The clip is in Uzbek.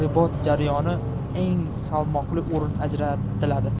ibot jarayonida eng salmoqli o'rin ajratiladi